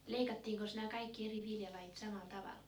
leikattiinkos nämä kaikki eri viljalajit samalla tavalla